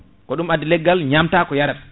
ko ɗum addi leggal ñamta ko yarata